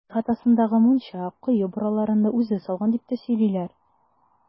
Ихатасындагы мунча, кое бураларын да үзе салган, дип тә сөйлиләр.